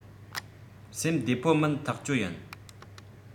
སེམས བདེ པོ མིན ཐག ཆོད ཡིན